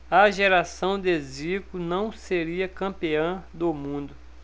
a geração de zico não seria campeã do mundo